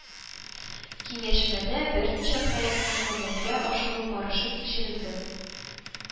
Киңәшмәдә берничә проектны гамәлгә ашыру барышы тикшерелде